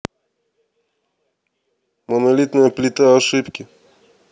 монолитная плита ошибки